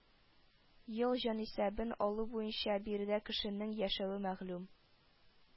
Ел җанисәбен алу буенча биредә кешенең яшәве мәгълүм